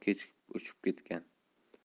kechikib uchib ketgan